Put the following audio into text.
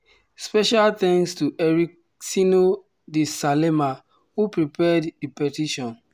Special thanks to Ericino de Salema who prepared the petition.